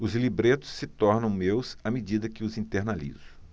os libretos se tornam meus à medida que os internalizo